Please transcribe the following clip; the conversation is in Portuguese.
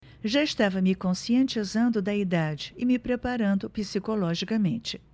já estava me conscientizando da idade e me preparando psicologicamente